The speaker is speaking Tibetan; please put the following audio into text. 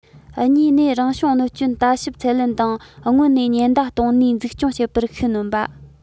གཉིས ནས རང བྱུང གནོད སྐྱོན ལྟ ཞིབ ཚད ལེན དང སྔོན ནས ཉེན བརྡ གཏོང ནུས འཛུགས སྐྱོང བྱེད པར ཤུགས སྣོན པ